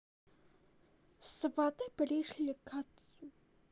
сваты пришли к отцу